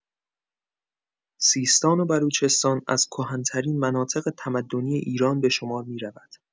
سیستان و بلوچستان از کهن‌ترین مناطق تمدنی ایران به شمار می‌رود.